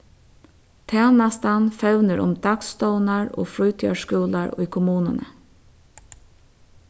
tænastan fevnir um dagstovnar og frítíðarskúlar í kommununi